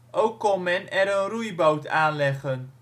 Ook kon men er een (roei) boot aanleggen